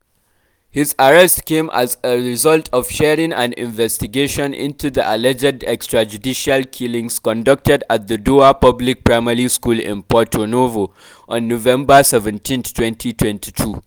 His arrest came as a result of sharing an investigation into the alleged extrajudicial killings conducted at the Dowa public primary school in Porto-Novo (capital of Benin) on November 17, 2022.